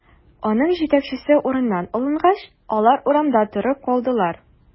Аның җитәкчесе урыныннан алынгач, алар урамда торып калдылар.